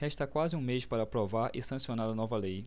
resta quase um mês para aprovar e sancionar a nova lei